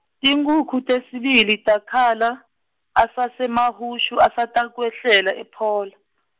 tinkhukhu tesibili takhala, asaseMahushu asatakwehlela ePhola .